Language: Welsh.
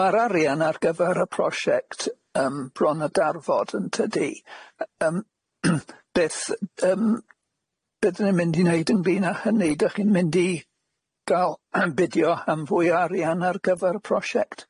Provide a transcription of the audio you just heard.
Ma'r arian ar gyfer y prosiect yym bron a darfod yntydi yym beth yym bydden ni'n mynd i wneud ynglŷn â hynny dych chi'n mynd i ga'l yym budio yym fwy o arian ar gyfer y prosiect?